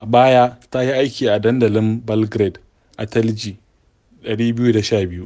A baya, ta yi aiki a dandalin Belgrade, Atelje 212.